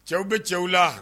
Cɛw bɛ cɛw la